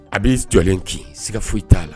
A b'i jɔlen kin siiga foyi t'a la